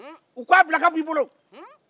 u ko a bila ka bɔ i bolo